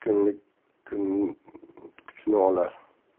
qirq kunlik kuchni olar